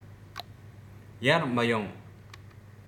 ཡར མི ཡོང